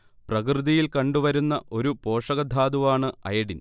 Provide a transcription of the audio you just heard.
പ്രകൃതിയിൽ കണ്ടു വരുന്ന ഒരു പോഷകധാതുവാണ് അയഡിൻ